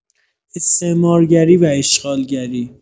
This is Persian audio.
استعمارگری و اشغالگری